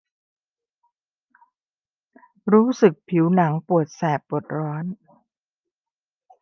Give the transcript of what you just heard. รู้สึกผิวหนังปวดแสบปวดร้อน